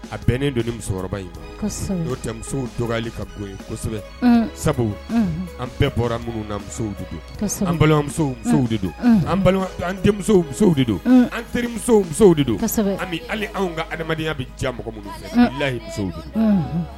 A bɛnnen don ni musokɔrɔba in tɛ dɔrɔnli ka bɔ yen kosɛbɛ sabu an bɛɛ bɔra minnu na musow an balimamuso musow de don an denmuso musow de don an teri musow de don an anw ka adamaya bɛ ja mɔgɔyi musow don